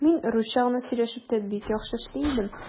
Мин русча гына сөйләшеп тә бик яхшы эшли идем.